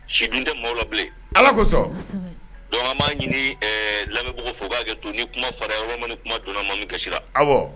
Si dun tɛ maaw labilen ala kosɔ dɔgɔma ɲini lamɛnmibugu fo k'a kɛ to ni kuma fara yɔrɔ ma kuma donna ma min kasira aw